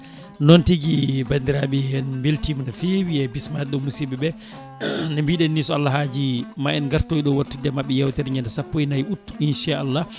noon tigui bandiraɓe en beltima o feewi e bismade ɗo musibɓeɓe no mbiɗen ni so Allah haaji ma en gartoy ɗo wattidde mabɓe yewtere ñande sappo e naayi août inchallah